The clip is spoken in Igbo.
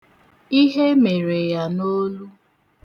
Ihe mere ya n'olu.